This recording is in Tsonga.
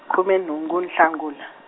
khume nhungu Nhlangula.